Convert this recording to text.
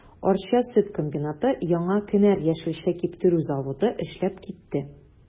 Арча сөт комбинаты, Яңа кенәр яшелчә киптерү заводы эшләп китте.